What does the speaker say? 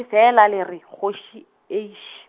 le fela le re, kgoši, eish.